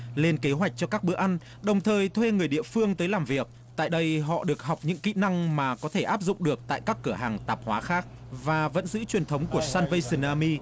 lên kế hoạch cho các bữa ăn đồng thời thuê người địa phương tới làm việc tại đây họ được học những kỹ năng mà có thể áp dụng được tại các cửa hàng tạp hóa khác và vẫn giữ truyền thống của san vây sờn a mi